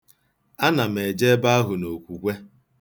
Ana m eje ebe ahụ n'okwukwe.